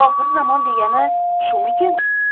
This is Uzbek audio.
oxirzamon degani shumikin